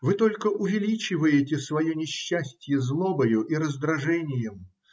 Вы только увеличиваете свое несчастье злобою и раздражением.